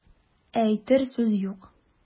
Ә әйтер сүз юк.